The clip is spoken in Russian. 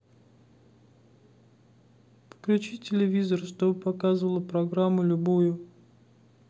включи телевизор чтобы показывало программу любую